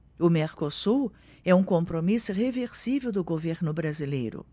o mercosul é um compromisso irreversível do governo brasileiro